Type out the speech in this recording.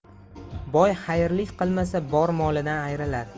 boy xayrlik qilmasa bor molidan ayrilar